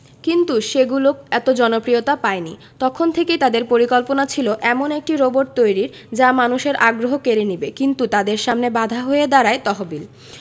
কিন্তু সেগুলো এত জনপ্রিয়তা পায়নি তখন থেকেই তাদের পরিকল্পনা ছিল এমন একটি রোবট তৈরির যা মানুষের আগ্রহ কেড়ে নেবে কিন্তু তাদের সামনে বাধা হয়ে দাঁড়ায় তহবিল